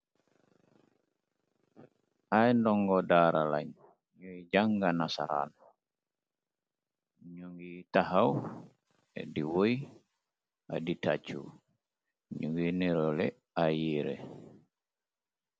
Ay ndongo daara laañ ñuy jàngana saraan ñu ngiy taxaw ak di woy a di tàccu ñu ngiy nerole ayyéere.